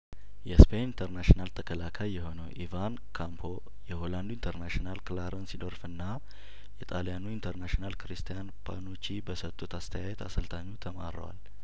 የስፔን ኢንተርናሽናል ተከላካይ የሆነው ኢቫን ካምፖ የሆላንዱ ኢንተርናሽናል ክላረንስ ሲዶር ፍና የጣልያኑ ኢንተርናሽናል ክሪስቲያን ፓኑቺ በሰጡት አስተያየት አሰልጣኙ ተማረዋል